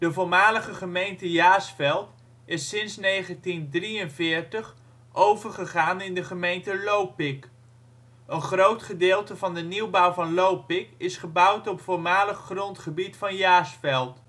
voormalige gemeente Jaarsveld is sinds 1943 overgegaan in de gemeente Lopik. Een groot gedeelte van de nieuwbouw van Lopik is gebouwd op voormalig grondgebied van Jaarsveld